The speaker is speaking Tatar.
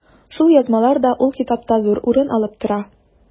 Шул язмалар да ул китапта зур урын алып тора.